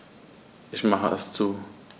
Ich mache es zu.